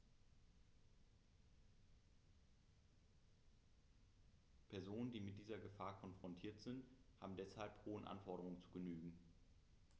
Personen, die mit dieser Gefahr konfrontiert sind, haben deshalb hohen Anforderungen zu genügen.